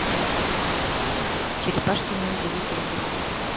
черепашки ниндзя викинги